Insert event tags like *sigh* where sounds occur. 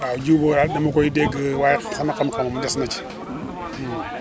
waa jiw boobu daal dama koy dégg *crosstalk* waaye sama xam-xam moom des na ci *crosstalk* *hesitation*